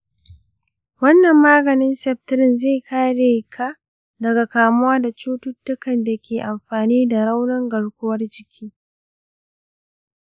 wannan maganin septrin zai kare ka daga kamuwa da cututtukan da ke anfani da raunin garkuwar jiki.